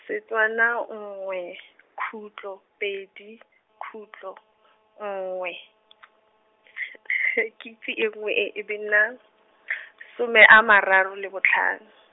Setswana nngwe , khutlo, pedi, khutlo, nngwe , ga ke itse e nngwe e e be e nna , some a mararo le botlhano.